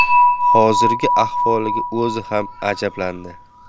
hozirgi ahvoliga o'zi ham ajablandi